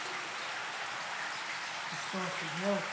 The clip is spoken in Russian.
ты что офигел